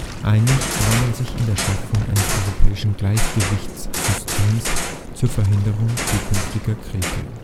Einig war man sich in der Schaffung eines europäischen Gleichgewichtssystems zur Verhinderung zukünftiger Kriege